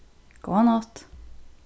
góða nátt